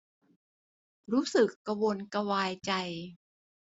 รู้สึกกระวนกระวายใจ